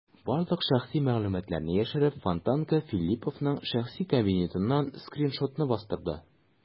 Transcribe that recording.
Барлык шәхси мәгълүматларны яшереп, "Фонтанка" Филипповның шәхси кабинетыннан скриншотны бастырды.